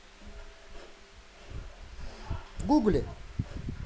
гугли